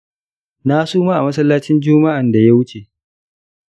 na suma a masallacin juma'an da ya wuce